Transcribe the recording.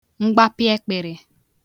mgbapịaekpịrị